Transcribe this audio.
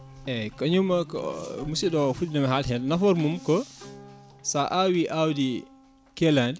eyyi kañum ko musidɗo fuɗɗinoma haalde hen nafoore mum ko sa awi awdi kaaladi